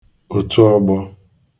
òtuọgbọ